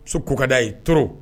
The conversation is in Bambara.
So kokada ye to